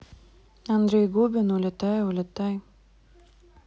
андрей губин улетай улетай